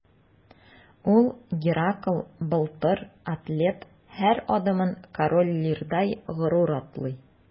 Ул – Геракл, Былтыр, атлет – һәр адымын Король Лирдай горур атлый.